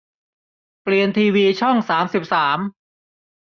เปลี่ยนทีวีช่องสามสิบสาม